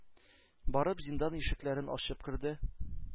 Барып зиндан ишекләрен ачып керде,